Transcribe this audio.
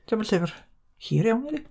'Di o'm yn llyfr hir iawn, na 'di?